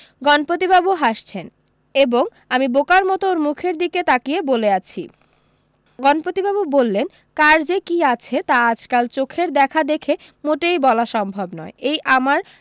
গণপতিবাবু হাসছেন এবং আমি বোকার মতো ওর মুখের দিকে তাকিয়ে বলে আছি গণপতিবাবু বললেন কার যে কী আছে তা আজকাল চোখের দেখা দেখে মোটেই বলা সম্ভব নয় এই আমার